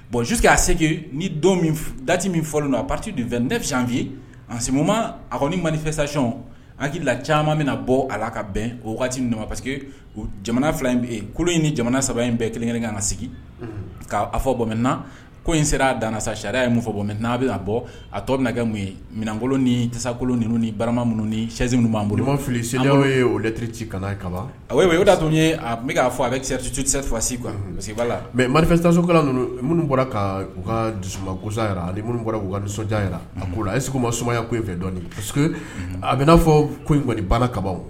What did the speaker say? Bon susiki aseke ni don dati min fɔlɔ a pati dun fɛnfiye a semuma a ni marifafɛ sacyɔn an hakili la caman bɛna bɔ a la ka bɛn o waati damama parceke jamana fila in kolon in ni jamana saba in bɛɛ kelenkɛ ka na sigi k'a fɔ bɔn mɛ na ko in sera a dan sa sariya ye fɔ bɔ mɛ n'a bɛ bɔ a tɔ nɛgɛ mun ye minɛnankolon nisakolon ninnu ni barama minnu ni ssin ninnu b'an bolo filisi y' ye olɛtiri ci kala kaba o da tɔ ye a'a fɔ a bɛfasi kuwa la mɛ mari marifafɛtasokala ninnu minnu bɔra ka u ka dusubasansa ani minnu bɔra u ka nisɔndiya yɛrɛ a' a ye segu ma sumayaya ko in fɛ dɔn a bɛ n'a fɔ ko in kɔniɔni bala kaba